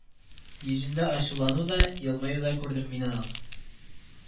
Йөзендә ачулану да, елмаю да күрдем мин аның